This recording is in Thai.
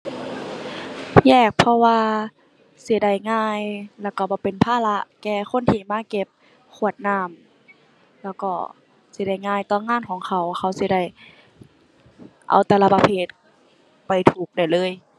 แยก เพราะว่าสิได้ง่ายแล้วก็บ่เป็นภาระแก่คนที่มาเก็บขวดน้ำ แล้วก็สิได้ง่ายต่องานของเขา เขาสิได้เอาแต่ละประเภทไปถูกได้เลย